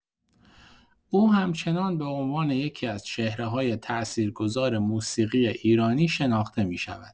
او همچنان به عنوان یکی‌از چهره‌های تاثیرگذار موسیقی ایرانی شناخته می‌شود.